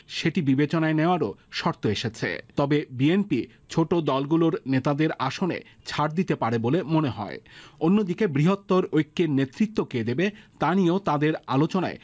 সেটি বিবেচনায় নেয়ার ও শর্ত এসেছে তবে বিএনপির ছোট দলগুলোর নেতাদের আসনের ছাড় দিতে পারে বলে মনে হয় অন্যদিকে বৃহত্তর ঐক্যের নেতৃত্ব কে দেবে তা নিয়েও তাদের আলোচনায়